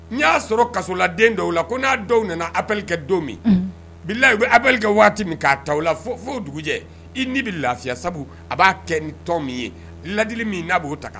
N y'a sɔrɔ kasoladen dɔw la ko n'a dɔw nana appel kɛ don min. Un. Bilalayi u bɛ appel kɛ waati mi na k'a ta o la f'o dugujɛ, i nin bɛ lafiya sabu a b'a kɛ ni ton min ye, ladili min n'a b'o ta ka